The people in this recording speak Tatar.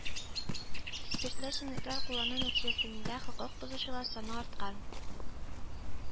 Спиртлы эчемлекләр куллану нәтиҗәсендә хокук бозучылар саны арткан